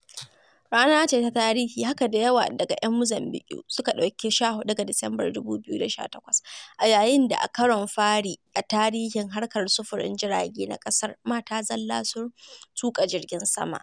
Ranar ce ta tarihi: haka da yawa daga 'yan Mozambiƙue suka ɗauki 14 ga Disamba 2018, a yayin da, a karon fari a tarihin harkar sufurin jirage na ƙasar, mata zalla sun tuƙa jirgin sama.